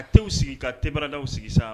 A t sigi ka tɛbaadaw sigi sa